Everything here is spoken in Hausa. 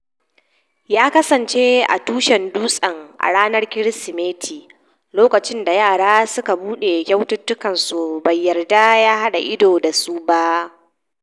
Ya kasance a tushen dutsen a ranar Kirsimeti - lokacin da yara suka bude kyaututtukan su bai yarda ya hada ido da su ba,”